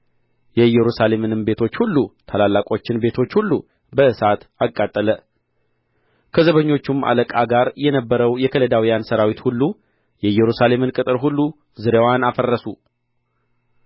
የኢየሩሳሌምንም ቤቶች ሁሉ ታላላቆችን ቤቶች ሁሉ በእሳት አቃጠለ ከዘበኞቹም አለቃ ጋር የነበረው የከለዳውያን ሠራዊት ሁሉ የኢየሩሳሌምን ቅጥር ሁሉ ዙሪያዋን አፈረሱ